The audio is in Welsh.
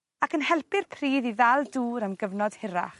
Ac yn helpu'r pridd i ddal dŵr am gyfnod hirach.